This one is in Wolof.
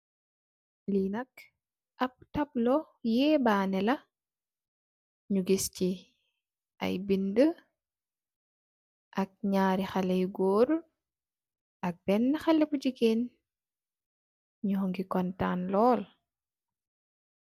Lii nak yéébaane la, yu gis ci, ay bindë ak ñaari xalé yu goor ak beenë xalé bu jigéen. Ñoo ngi kontaan lol.